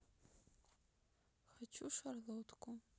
хочу шарлотку